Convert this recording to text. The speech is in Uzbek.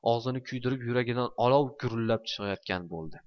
og'zini kuydirib yuragidan olov gurillab chiqayotgandek bo'ldi